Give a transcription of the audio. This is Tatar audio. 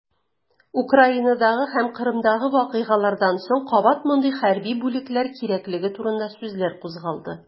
Украинадагы һәм Кырымдагы вакыйгалардан соң кабат мондый хәрби бүлекләр кирәклеге турында сүзләр кузгалды.